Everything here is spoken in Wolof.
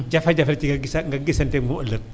jafe-jafeeti nga gisaat nga gisante ak moom ëllëg